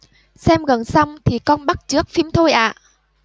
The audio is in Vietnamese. xem gần xong thì con bắt chước phim thôi ạ